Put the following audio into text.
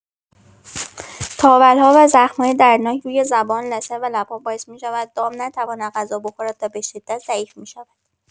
تاول‌ها و زخم‌های دردناک روی زبان، لثه و لب‌ها باعث می‌شود دام نتواند غذا بخورد و به‌شدت ضعیف می‌شود.